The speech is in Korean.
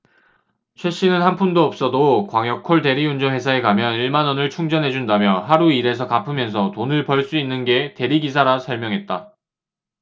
최씨는 한 푼도 없어도 광역콜 대리운전 회사에 가면 일 만원을 충전해준다며 하루 일해서 갚으면서 돈을 벌 수 있는 게 대리기사라 설명했다